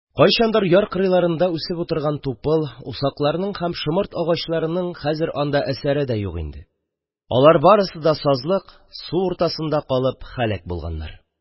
Кайчандыр яр кырыйларында үсеп утырган тупыл, усакларның һәм шомырт агачларының хәзер анда әсәре дә юк инде – алар барысы да сазлык, су уртасында калып һәләк булганнар